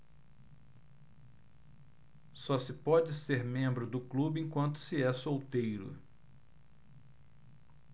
só se pode ser membro do clube enquanto se é solteiro